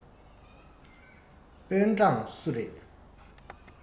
པེན ཀྲང སུ རེད